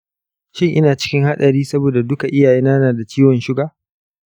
shin ina cikin haɗari saboda duka iyayena na da ciwon suga?